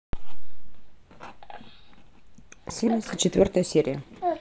семьдесят четвертая серия